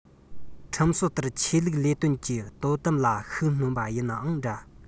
ཁྲིམས སྲོལ ལྟར ཆོས ལུགས ལས དོན གྱི དོ དམ ལ ཤུགས སྣོན པ ཡིན ནའང འདྲ